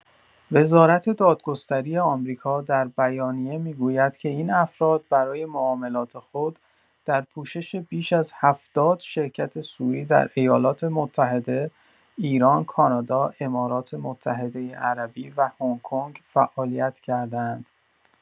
وزارت دادگستری آمریکا در بیانیه می‌گوید که این افراد برای معاملات خود در پوشش بیش از ۷۰ شرکت صوری در ایالات‌متحده، ایران، کانادا، امارات متحده عربی و هنگ‌کنگ فعالیت کرده‌اند.